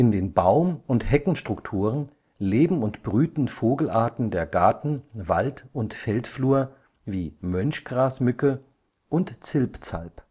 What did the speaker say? den Baum - und Heckenstrukturen leben und brüten Vogelarten der Garten -, Wald - und Feldflur wie Mönchgrasmücke und Zilpzalp